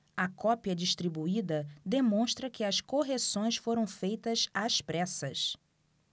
a cópia distribuída demonstra que as correções foram feitas às pressas